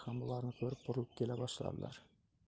ham bularni ko'rib burilib kela boshladilar